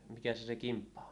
mikä se se kimppa on